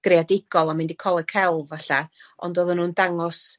greadigol a mynd i coleg celf falla, ond oddan nw'n dangos